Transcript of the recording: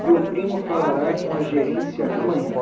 meu primo falará com a gerência amanhã